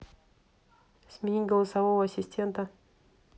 сменить голосового ассистента